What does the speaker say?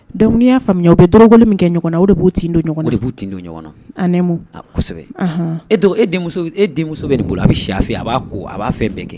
Don nii n y'a faamuya o bɛ dɔrɔkoli min kɛ ɲɔgɔn na ,o de b'o tin don ɲɔgɔnna, o de b'u tin don ɲɔgɔn na , e e denmuso bɛ nin bolo , a bɛ si a fɛ , a b'a a b'a fɛn bɛn kɛ